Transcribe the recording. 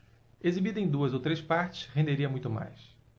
exibida em duas ou três partes renderia muito mais